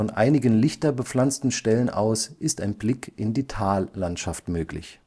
einigen lichter bepflanzten Stellen aus ist ein Blick in die Tallandschaft möglich